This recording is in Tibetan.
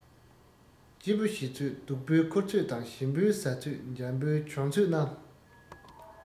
སྐྱིད པོ བྱེད ཚོད སྡུག པོའི འཁུར ཚོད དང ཞིམ པོའི ཟ ཚོད འཇམ པོའི གྱོན ཚོད རྣམས